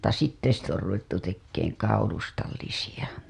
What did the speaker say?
mutta sitten sitten on ruvettu tekemään kaulustallisia